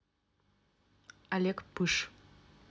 олег пыж